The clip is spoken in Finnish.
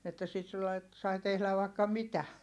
että sitten sillä lailla että sai tehdä vaikka mitä